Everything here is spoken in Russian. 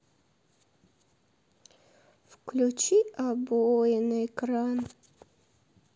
включи обои на экран